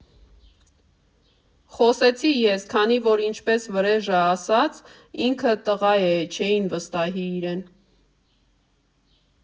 Խոսեցի ես, քանի որ ինչպես Վրեժն ասաց, ինքը տղա է՝ չէին վստահի իրեն։